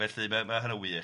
felly ma' ma' hynna'n wych.